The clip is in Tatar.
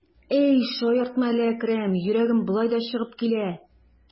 Әй, шаяртма әле, Әкрәм, йөрәгем болай да чыгып килә.